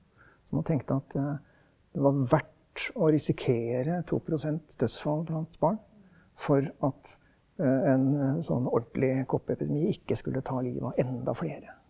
så man tenkte at det var verdt å risikere 2% dødsfall blant barn for at en en sånn ordentlig koppeepidemi ikke skulle ta livet av enda flere.